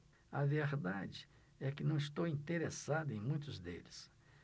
a verdade é que não estou interessado em muitos deles